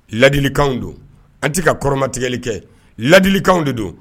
Ladilikanw don an tɛ ka kɔrɔmatigɛli kɛ ladilikanw de don